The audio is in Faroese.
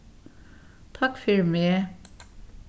takk fyri meg